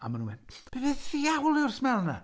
A maen nhw'n mynd, "beth ddiawl yw'r smell 'na?"